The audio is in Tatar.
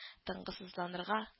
Тынгысызланырга